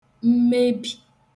mmebì